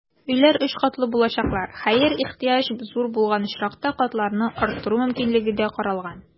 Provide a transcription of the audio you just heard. Өйләр өч катлы булачаклар, хәер, ихтыяҗ зур булган очракта, катларны арттыру мөмкинлеге дә каралган.